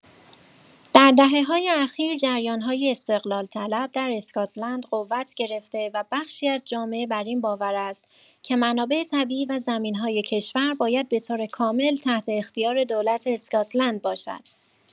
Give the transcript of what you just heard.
در دهه‌های اخیر جریان‌های استقلال‌طلب در اسکاتلند قوت گرفته و بخشی از جامعه بر این باور است که منابع طبیعی و زمین‌های کشور باید به‌طور کامل تحت اختیار دولت اسکاتلند باشد.